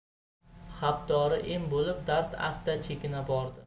xapdori em bo'lib dard asta chekina bordi